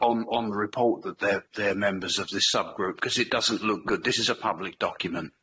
on- on the report that they're they're members of this sub-group 'c'os it doesn't look good. This is a public document,